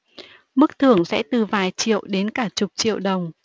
mức thưởng sẽ từ vài triệu đến cả chục triệu đồng